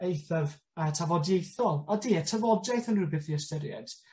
eithaf yy tafodieithol. Odi, y tafodiaith yn rwbeth i ystyried.